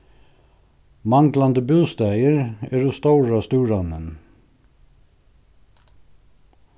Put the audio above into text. manglandi bústaðir eru stóra stúranin